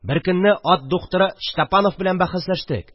Беркөнне ат дуктыры Чтапанов белән бәхәсләштек